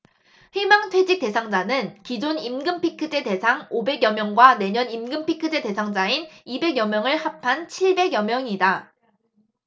희망퇴직 대상자는 기존 임금피크제 대상 오백 여 명과 내년 임금피크제 대상자인 이백 여 명을 합한 칠백 여 명이다